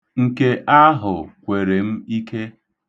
Nke ahụ kwere m ike.